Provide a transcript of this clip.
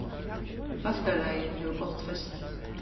fólkaræðið hevur gott festi